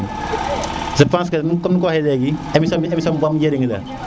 je pense que comme com ning ko waxe leegi émission bi émission bu am njëriñ la